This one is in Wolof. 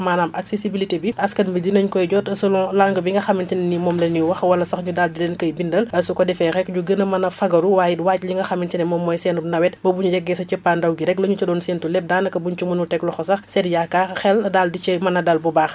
maanaam accéssibilité bi askan bi dinañ koy jot selon langue bi nga xamante ne nii moom la ñu wax wala sax ñu daal di leen koy bindal su ko defee rek ñu gën a mën a fagaru waaye it waaj li nga xamante ne moom mooy seen nawet ba buñu yeggee sa cappaandaw gi rek la ñu ci doon séentu lépp daanaka buñ ci munul teg loxo sax seen yaakaar xel daal di cay mën a dal bu baax